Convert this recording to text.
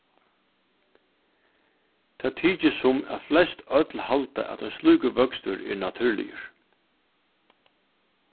tað tykist sum at flest øll halda at ein slíkur vøkstur er natúrligur